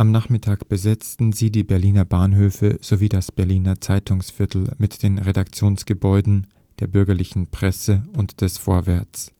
Nachmittag besetzten sie die Berliner Bahnhöfe sowie das Berliner Zeitungsviertel mit den Redaktionsgebäuden der bürgerlichen Presse und des Vorwärts